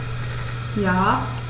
Ja.